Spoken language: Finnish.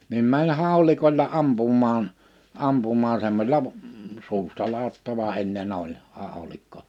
niin meni haulikolla ampumaan ampumaan semmoisella - suustaladattava ennen oli haulikko